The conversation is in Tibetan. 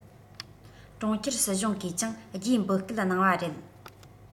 གྲོང ཁྱེར སྲིད གཞུང གིས ཀྱང རྒྱུའི འབོད སྐུལ གནང བ རེད